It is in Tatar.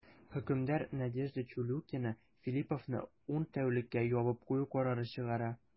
Хөкемдар Надежда Чулюкина Филлиповны ун тәүлеккә ябып кую карары чыгара.